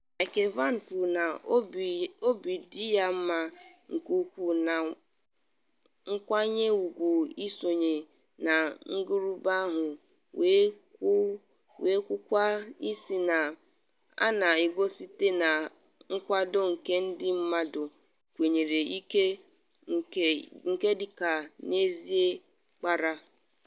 Michael Vann kwuru na “obi dị ya mma nke ukwuu na nkwanyị ugwu isonye na ngarube ahụ” wee kwukwaa sị na “a na-egosi site na nkwado nke ndị mmadụ kwanyere ike nke dike n’ezie kpara.”